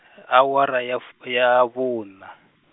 awara ya fu, ya vhuna.